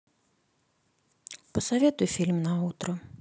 посоветуй фильм на утро